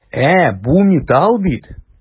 Ә бу металл бит!